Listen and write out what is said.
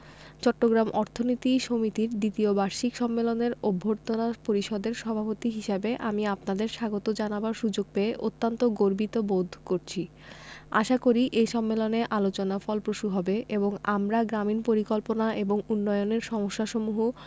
চট্টগ্রাম অর্থনীতি সমিতির দ্বিতীয় বার্ষিক সম্মেলনের অভ্যর্থনা পরিষদের সভাপতি হিসেবে আমি আপনাদের স্বাগত জানাবার সুযোগ পেয়ে অত্যন্ত গর্বিত বোধ করছি আমি আশা করি এ সম্মেলনে আলোচনা ফলপ্রসূ হবে এবং আমরা গ্রামীন পরিকল্পনা এবং উন্নয়নের সমস্যাসমূহ